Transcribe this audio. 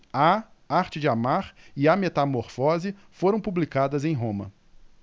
a arte de amar e a metamorfose foram publicadas em roma